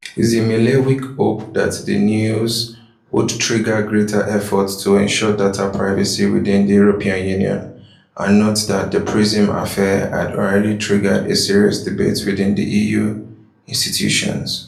Szymielewicz hoped that the news would trigger greater efforts to ensure data privacy within the European Union, and noted that the “PRISM affair” had already triggered a “serious debate” within EU institutions.